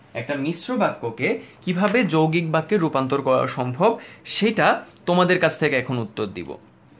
একটা মিশ্র বাক্য কে কিভাবে যৌগিক বাক্যে রূপান্তর করা সম্ভব সেটা তোমাদের কাছে কাছ থেকে এখন উত্তর দিব